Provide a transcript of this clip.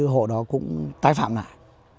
hộ đó cũng tái phạm lại